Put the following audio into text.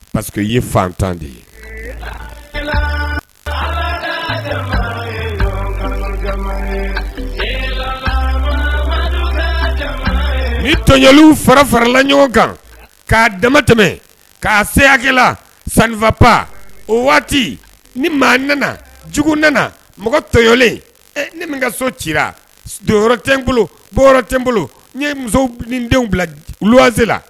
Pa ye fantan de ye ni tɔɲɔliw fara farala ɲɔgɔn kan k'a dama tɛmɛ k'a seyala sanfa pa o waati ni maa nana jugu nana mɔgɔ tɔylen ne min ka so ci donso tɛ n bolo bɔ tɛ n bolo n ye muso ni denw bila luwase la